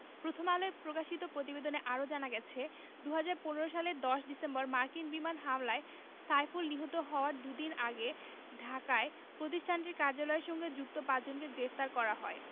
প্রথম আলোয় প্রকাশিত প্রতিবেদনে আরও জানা গেছে ২০১৫ সালের ১০ ডিসেম্বর মার্কিন বিমান হামলায় সাইফুল নিহত হওয়ার দুদিন আগে ঢাকায় প্রতিষ্ঠানটির কার্যালয়ের সঙ্গে যুক্ত পাঁচজনকে গ্রেপ্তার করা হয়